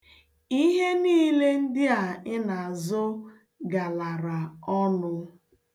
Ihe niile ndị a ị na-azụ galara ọnụ.